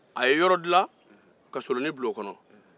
a ye yɔrɔ dila ka solonin bila o kɔnɔ